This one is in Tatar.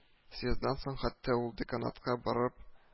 Съезддан соң хәтта ул деканатка барып